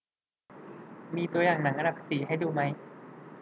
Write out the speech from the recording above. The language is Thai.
มีตัวอย่างหนังอันดับสี่ให้ดูไหม